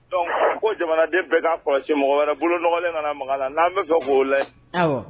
Don ko jamanaden bɛɛ kaa kɔlɔsi mɔgɔ wɛrɛ bolo nɔgɔlen nana makan la n'aan bɛ fɛ'o la